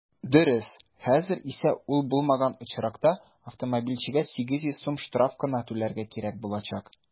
Дөрес, хәзер исә ул булмаган очракта автомобильчегә 800 сум штраф кына түләргә кирәк булачак.